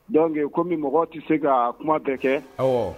Yanke ko mɔgɔ tɛ se ka kuma tɛ kɛ